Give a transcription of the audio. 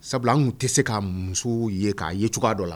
Sabula anw tɛ se k'a musow ye k'a ye cogoyaa dɔ la